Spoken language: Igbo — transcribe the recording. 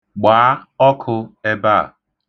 Gbaa ọkụ ebe a.